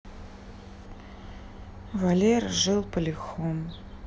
валера жил полихом